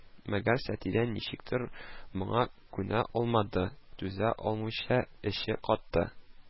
Мәгәр Сатирә ничектер моңа күнә алмады, түзә алмыйча эче катты